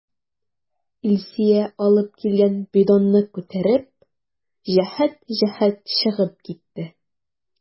Илсөя алып килгән бидонны күтәреп, җәһәт-җәһәт чыгып китте.